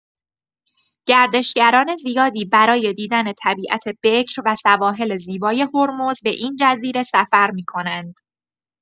گردشگران زیادی برای دیدن طبیعت بکر و سواحل زیبای هرمز به این جزیره سفر می‌کنند.